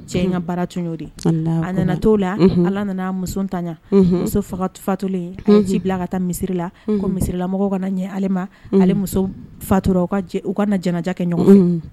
Cɛ in baara tun de a nana to la ala nana muso taɲa muso fatulen ci bila ka taa misirila ko misirilamɔgɔ ka ɲɛ ale ma ale muso fatura u ka na jja kɛ ɲɔgɔn